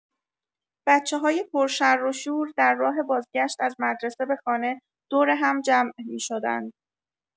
بچه‌های پرشروشور در راه بازگشت از مدرسه به خانه، دور هم جمع می‌شدند.